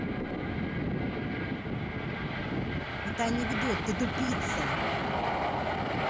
это анекдот ты тупица